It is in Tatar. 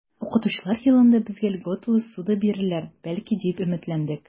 Укытучылар елында безгә льготалы ссуда бирерләр, бәлки, дип өметләндек.